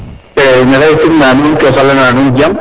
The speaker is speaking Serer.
mexey simna nuun te xenda na nuun jam